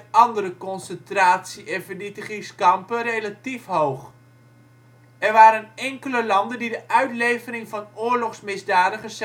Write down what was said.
andere concentratie - en vernietigingskampen relatief hoog. Er waren enkele landen die de uitlevering van oorlogsmisdadigers